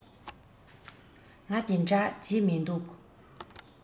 ང འདི འདྲ བྱེད མི འདུག